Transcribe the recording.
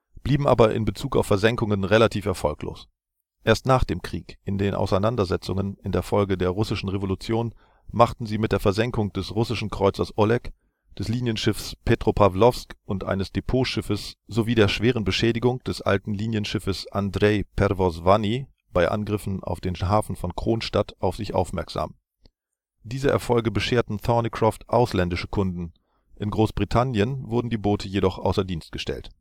blieben aber in Bezug auf Versenkungen relativ erfolglos. Erst nach dem Krieg in den Auseinandersetzungen in der Folge der russischen Revolution machten sie mit der Versenkung des russischen Kreuzers Oleg, des Linienschiffs Petropawlowsk und eines Depotschiffes, sowie der schweren Beschädigung des alten Linienschiffes Andreij Perwozwanni bei Angriffen auf den Hafen von Kronstadt auf sich aufmerksam. Diese Erfolge bescherten Thornycroft ausländische Kunden, in Großbritannien wurden die Boote jedoch außer Dienst gestellt